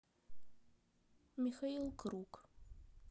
михаил круг